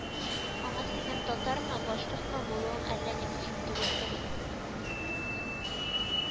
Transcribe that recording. Аңа синең татармы, башкортмы булуың әлләни мөһим түгел кебек